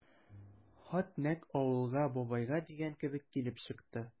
Хат нәкъ «Авылга, бабайга» дигән кебек килеп чыкты.